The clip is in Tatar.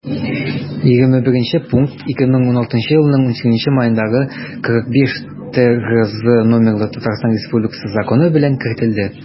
21 пункт 2016 елның 18 маендагы 45-трз номерлы татарстан республикасы законы белән кертелде